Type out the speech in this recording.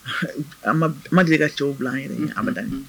Ma deli ka cɛw bila an yɛrɛ ye amida